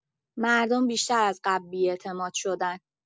مردم بیشتر از قبل بی‌اعتماد شدن.